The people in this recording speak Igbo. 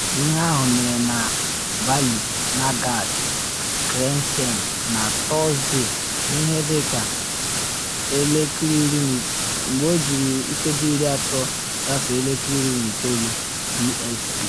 Ihe ahụ mere na Ballynagard Crescent na Tọsde n’ihe dị ka 19:30 BST.